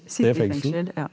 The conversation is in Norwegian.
sitte i fengsel ja.